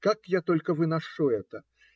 Как я только выношу это!